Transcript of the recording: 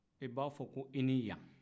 i b'a fɔ ko e ni yan